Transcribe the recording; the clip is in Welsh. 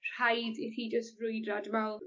Rhaid i chi jyst frwydro dwi me'wl